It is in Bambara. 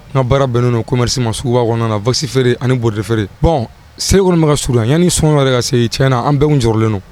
N ka baara bɛnnen de commerce ma Suguba kɔnɔna na wax feere ani brodé feere bon seli kɔni bɛ ka surun ya yani sunkalo yɛrɛ ka se tiyɛɛn na an bɛɛ tun jɔɔrɔlen don